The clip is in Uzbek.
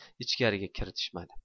ichkariga kiritishmadi